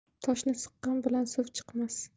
toshni siqqan bilan suv chiqmas